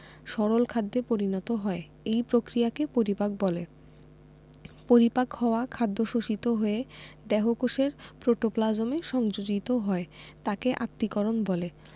সরল খাদ্যে পরিণত হয় এই প্রক্রিয়াকে পরিপাক বলে পরিপাক হওয়া খাদ্য শোষিত হয়ে দেহকোষের প্রোটোপ্লাজমে সংযোজিত হয় তাকে আত্তীকরণ বলে